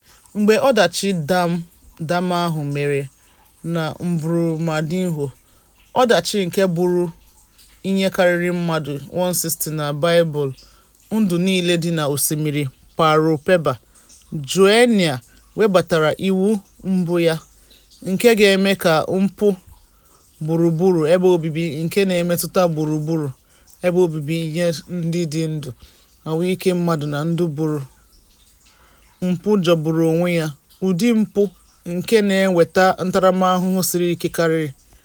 Mgbe ọdachi dam ahụ mere na Brumadinho, ọdachi nke gburu ihe karịrị mmadụ 160 ma bibie ndụ niile dị na Osimiri Paraopeba, Joenia webatara iwu mbụ ya, nke ga-eme ka mpụ gburugburu ebe obibi nke na-emetụta gburugburu ebe obibi ihe ndị dị ndụ, ahụike mmadụ, na ndụ bụrụ "mpụ jọgburu onwe ya", ụdị mpụ nke na-eweta ntaramahụhụ siri ike karị.